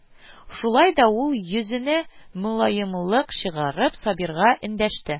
Шулай да ул, йөзенә мөлаемлык чыгарып, Сабирга эндәште: